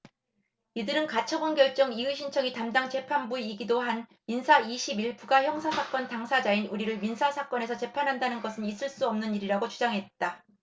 이들은 가처분 결정 이의신청의 담당 재판부이기도 한 민사 이십 일 부가 형사사건 당사자인 우리를 민사사건에서 재판한다는 것은 있을 수 없는 일이라고 주장했다